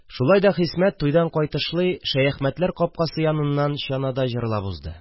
Шулай да Хисмәт, туйдан кайтышлый, Шәяхмәтләр капкасы яныннан чанада җырлап узды